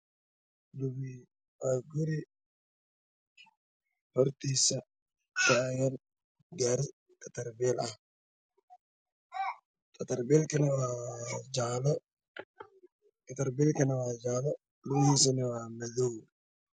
Waa guri hortiisa taagan gari katarabil ah katarabilka waa jaalo lugihiisa waa madow